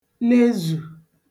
lezù